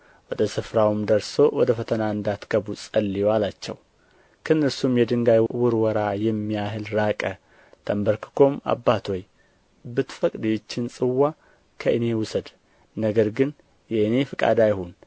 ወደ ስፍራውም ደርሶ ወደ ፈተና እንዳትገቡ ጸልዩ አላቸው ከእነርሱም የድንጋይ ውርወራ የሚያህል ራቀ ተንበርክኮም አባት ሆይ ብትፈቅድ ይህችን ጽዋ ከእኔ ውሰድ ነገር ግን የእኔ ፈቃድ አይሁን